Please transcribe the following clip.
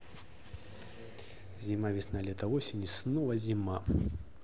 зима весна лето осень и снова зима